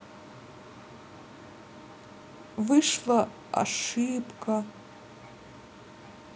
вышла ошибка